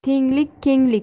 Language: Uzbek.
tenglik kenglik